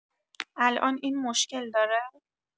الان این مشکل داره؟